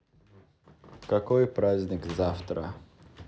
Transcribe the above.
какой праздник завтра